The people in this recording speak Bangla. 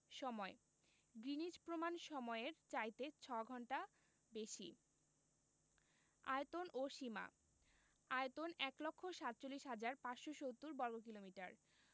সময়ঃ গ্রীনিচ প্রমাণ সমইয়ের চাইতে ৬ ঘন্টা বেশি আয়তন ও সীমাঃ আয়তন ১লক্ষ ৪৭হাজার ৫৭০বর্গকিলোমিটার